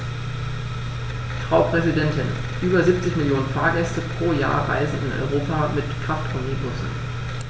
Frau Präsidentin, über 70 Millionen Fahrgäste pro Jahr reisen in Europa mit Kraftomnibussen.